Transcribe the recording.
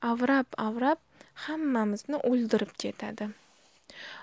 avrab avrab hammamizni o'ldirib ketadi